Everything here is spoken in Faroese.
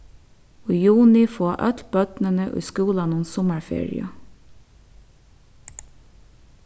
í juni fáa øll børnini í skúlanum summarferiu